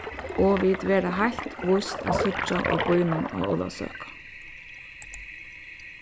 og vit verða heilt víst at síggja í býnum á ólavsøku